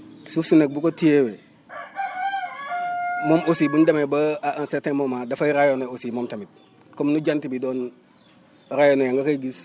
suuf si nag bu ko téyewee moom aussi bu ñu demee ba à un certain moment dafay rayonner aussi moom tamit comme nu jant bi doon rayonner nga koy gis